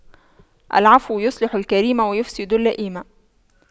العفو يصلح الكريم ويفسد اللئيم